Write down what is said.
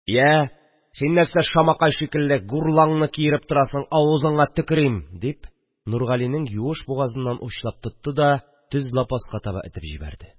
– я, син нәрсә, шамакай шикелле гурлаңны киереп торасың, авызыңа төкерим! – дип нургалинең юеш бугазыннан учлап тотты да төз лапаска таба этеп җибәрде